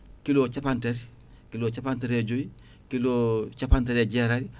kilo capan tati kilo capantati e joyyi kilo capantati e jeetati